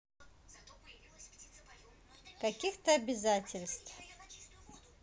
каких то обязательств